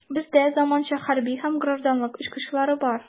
Бездә заманча хәрби һәм гражданлык очкычлары бар.